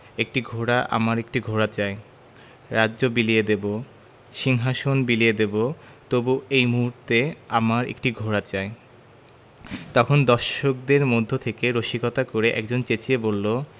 একটি ঘোড়া আমার একটি ঘোড়া চাই রাজ্য বিলিয়ে দেবো সিংহাশন বিলিয়ে দেবো তবু এই মুহূর্তে আমার একটি ঘোড়া চাই – তখন দর্শকদের মধ্য থেকে রসিকতা করে একজন চেঁচিয়ে বললো